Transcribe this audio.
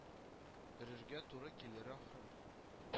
Өрергә туры килер ахры